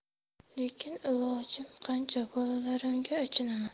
lekin ilojim qancha bolalarimga achinaman